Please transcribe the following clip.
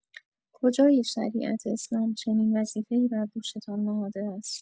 کجای شریعت اسلام چنین وظیفه‌ای بر دوشتان نهاده است؟!